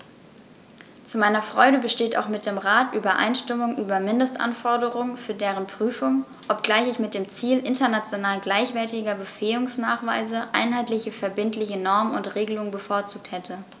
Zu meiner Freude besteht auch mit dem Rat Übereinstimmung über Mindestanforderungen für deren Prüfung, obgleich ich mit dem Ziel international gleichwertiger Befähigungsnachweise einheitliche verbindliche Normen und Regelungen bevorzugt hätte.